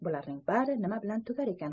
bularning bari nima bilan tugar ekan